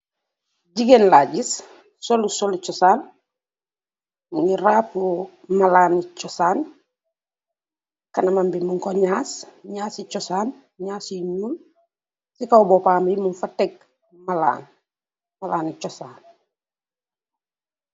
Jigeen la giss, solu solu choosan, mungi rabu malaani choosan, kanamam bi mung ko nyass, nyass yu chosan, nyass yu nyul. Si kaw bopam bi, mung fa tekk malaan , malaani choosan.